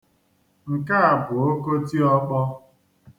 Nke a bụ okotiọ̄kpọ̄.